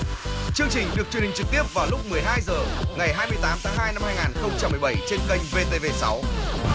chương trình được truyền hình trực tiếp vào lúc mười hai giờ ngày hai mươi tám tháng hai năm hai ngàn không trăm mười bảy trên kênh vê tê vê sáu